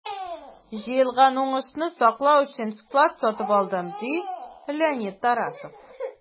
Җыелган уңышны саклау өчен склад сатып алдым, - ди Леонид Тарасов.